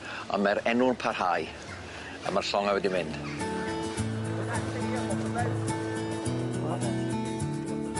On' ma'r enw'n parhau a ma'r llonge wedi mynd.